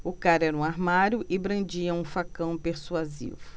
o cara era um armário e brandia um facão persuasivo